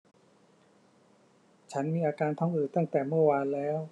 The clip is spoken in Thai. ฉันมีอาการท้องอืดตั้งแต่เมื่อวานแล้ว